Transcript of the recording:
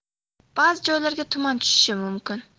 ba'zi joylarga tuman tushishi mumkin